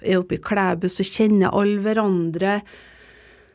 oppi Klæbu så kjenner alle hverandre.